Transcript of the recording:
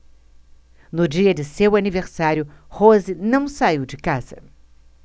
no dia de seu aniversário rose não saiu de casa